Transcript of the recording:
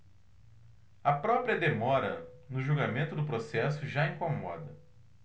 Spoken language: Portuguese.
a própria demora no julgamento do processo já incomoda